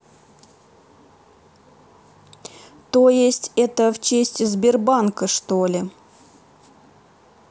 то есть это в честь сбербанка что ли